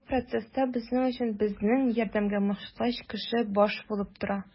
Бу процесста безнең өчен безнең ярдәмгә мохтаҗ кеше баш булып тора.